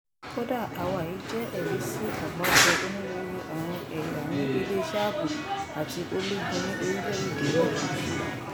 Kódà àwa yìí jẹ́ ẹ̀rí sí àgbájọ onírúurú àwọn ẹ̀yà ní ilé-iṣẹ́ ààbò àti ológun ní orílẹ̀-èdè náà.